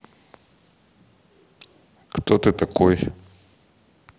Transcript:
кто ты такой